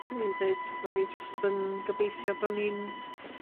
'Swn i'n deud bo' ni jyst yn gobeithio bo' ni'n